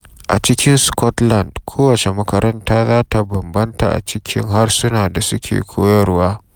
A cikin Scotland, kowace makaranta za ta bambanta a cikin harsuna da suke koyarwa.